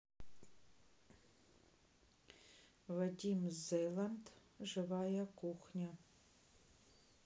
вадим зеланд живая кухня